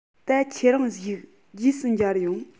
ད ཁྱེད རང བཞུགས རྗེས སུ མཇལ ཡོང